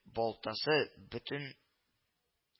Балтасы бөтен